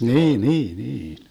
niin niin niin